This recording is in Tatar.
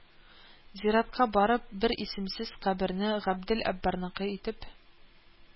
Зиратка барып бер исемсез каберне Габдел әббарныкы итеп